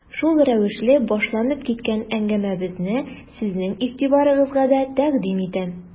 Шул рәвешле башланып киткән әңгәмәбезне сезнең игътибарга да тәкъдим итәм.